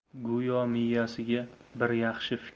go'yo miyasiga bir yaxshi